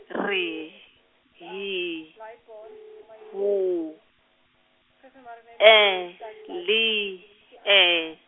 ri hi wu E li E.